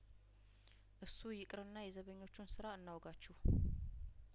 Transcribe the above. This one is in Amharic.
እሱ ይቅርና የዘበኞቹን ስራ እናውጋችሁ